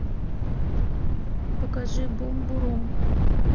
покажи бум бурум